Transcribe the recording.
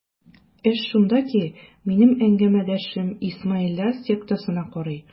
Эш шунда ки, минем әңгәмәдәшем исмаилләр сектасына карый.